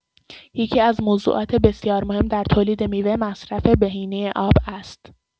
یکی‌از موضوعات بسیار مهم در تولید میوه، مصرف بهینه آب است.